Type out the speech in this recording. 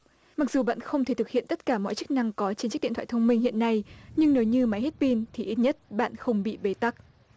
mặc dù bạn không thể thực hiện tất cả mọi chức năng có trên chiếc điện thoại thông minh hiện nay nhưng nếu như máy hết pin thì ít nhất bạn không bị bế tắc